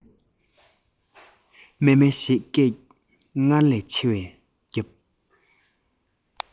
མཱེ མཱེ ཞེས སྐད སྔར ལས ཆེ བར བརྒྱབ